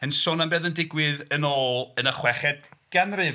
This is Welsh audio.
Yn sôn am be oedd yn digwydd yn ôl yn y chweched ganrif.